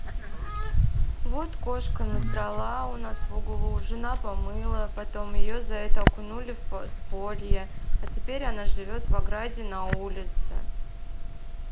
вот кошка насрала у нас в углу жена помыла потом ее за это окунули в подполье а теперь она живет в ограде на улице